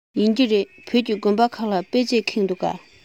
ཡིན གྱི རེད བོད ཀྱི དགོན པ ཁག ལ དཔེ ཆས ཁེངས འདུག ག